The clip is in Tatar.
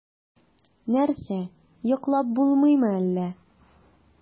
Нәрсә, йоклап булмыймы әллә?